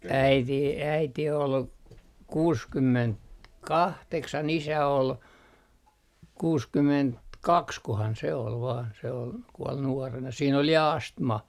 äiti äiti oli kuusikymmentä kahdeksan isä oli kuusikymmentä kaksikohan se oli vain se oli kuoli nuorena siinä oli ja astma